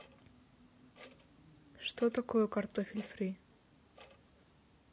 что такое картофель фри